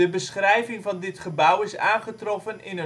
beschrijving van dit gebouw is aangetroffen in